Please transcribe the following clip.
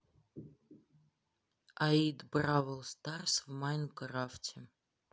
аид бравл старс в майнкрафте